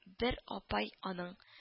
Бер апай аның